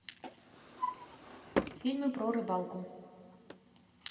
фильмы про рыбалку